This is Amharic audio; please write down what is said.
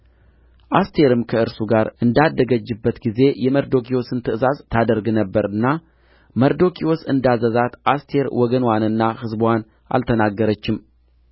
አስቴርም ከእርሱ ጋር እንዳደገችበት ጊዜ የመርዶክዮስን ትእዛዝ ታደርግ ነበርና መርዶክዮስ እንዳዘዛት አስቴር ወገንዋንና ሕዝብዋን አልተናገረችም